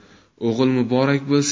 o'g'il muborak bo'lsin